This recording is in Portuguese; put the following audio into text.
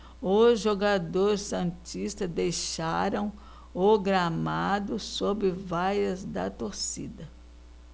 os jogadores santistas deixaram o gramado sob vaias da torcida